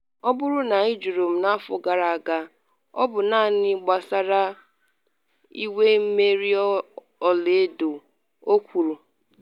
“Ọ bụrụ na ịjụrụ m n’afọ gara aga, ọ bụ naanị gbasara “Inwe mmeri ọla edo’. o kwuru.